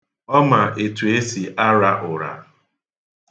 Ọ ma etu e si ara ụra.